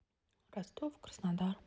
ростов краснодар